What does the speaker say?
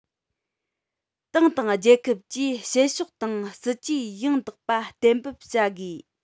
ཏང དང རྒྱལ ཁབ ཀྱིས བྱེད ཕྱོགས དང སྲིད ཇུས ཡང དག པ གཏན འབེབས བྱ དགོས